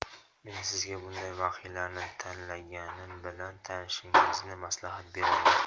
men sizga bunday vahiylarni tanlaganim bilan tanishishingizni maslahat beraman